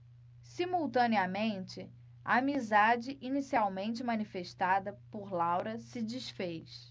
simultaneamente a amizade inicialmente manifestada por laura se disfez